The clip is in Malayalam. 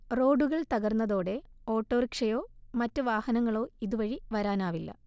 റോഡുകൾ തകർന്നതോടെ ഓട്ടോറിക്ഷയോ മറ്റ് വാഹനങ്ങളോ ഇതുവഴി വരാനാവില്ല